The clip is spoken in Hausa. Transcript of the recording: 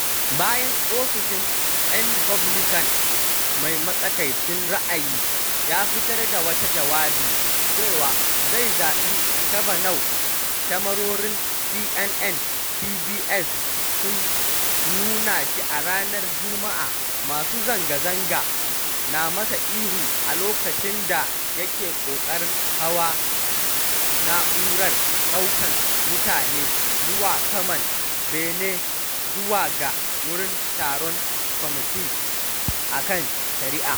Bayan ofishin ‘yan Republican mai matsakaicin ra’ayi ya fitar da wata jawabi cewa zai zaɓi Kavanaugh, kyamarorin CNN da CBS sun nuna shi a ranar Jumu’a masu zanga-zanga na masa ihu a loƙacin da yake ƙoƙarin hawa na’urar ɗaukan mutane zuwa saman bene zuwa ga wurin taron Kwamiti a kan Shari’a.